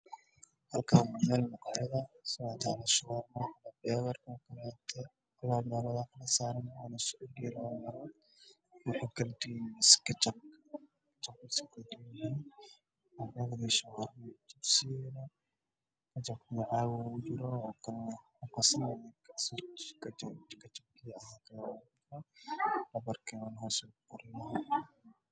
Meeshan waxaa iga muuqda cheken ay ku dhex jiraan baradho iyo basbaas